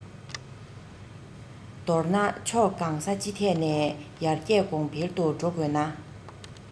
མདོར ན ཕྱོགས གང ས ཅི ཐད ནས ཡར རྒྱས གོང འཕེལ དུ འགྲོ དགོས ན